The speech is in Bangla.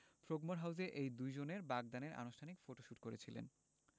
ফ্রোগমোর হাউসে এই দুজনের বাগদানের আনুষ্ঠানিক ফটোশুট করেছিলেন